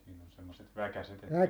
siinä on semmoiset väkäset että